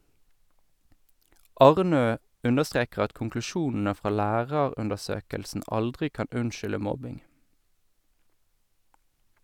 Arnø understreker at konklusjonene fra lærerundersøkelsen aldri kan unnskylde mobbing.